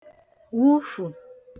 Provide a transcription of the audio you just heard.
wufù